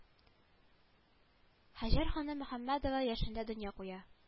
Һаҗәр ханым мөхәммәдова яшендә дөнья куя